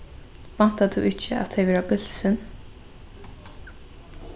væntar tú ikki at tey verða bilsin